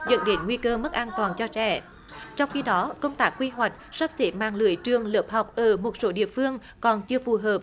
dẫn đến nguy cơ mất an toàn cho trẻ trong khi đó công tác quy hoạch sắp xếp mạng lưới trường lớp học ở một số địa phương còn chưa phù hợp